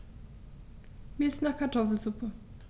Mir ist nach Kartoffelsuppe.